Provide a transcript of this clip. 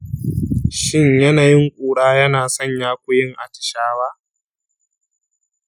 shin yanayin kura yana sanya ku yin atishawa?